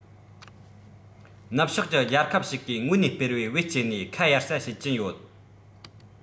ནུབ ཕྱོགས ཀྱི རྒྱལ ཁབ ཞིག གི ངོས ནས སྤེལ བའི བེད སྤྱད ནས ཁ གཡར ས བྱེད ཀྱི ཡོད